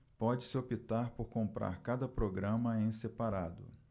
pode-se optar por comprar cada programa em separado